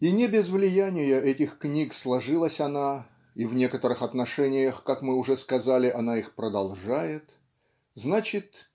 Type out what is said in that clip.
И не без влияния этих книг сложилась она и в некоторых отношениях как мы уже сказали она их продолжает. Значит